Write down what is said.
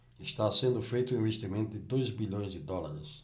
está sendo feito um investimento de dois bilhões de dólares